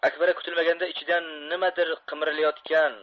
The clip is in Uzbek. akbara kutilmaganda ichidan nimadir qimirlayotgan